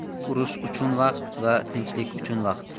urush uchun vaqt va tinchlik uchun vaqt